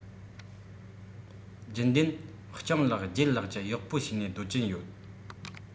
རྒྱུན ལྡན སྤྱང ལགས ལྗད ལགས ཀྱི གཡོག པོ བྱས ནས སྡོད ཀྱི ཡོད